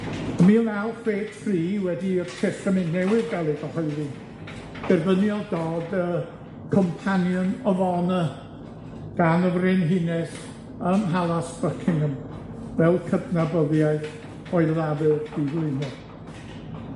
Ym mil naw chwech tri wedi i'r Testament Newydd ga'l ei gyhoeddi, derbyniodd Dodd y companion of honour gan y frenhines ym Mhalas Buckingham fel cydnabyddiaeth o'i lafur diflino.